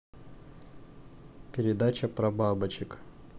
передача про бабочек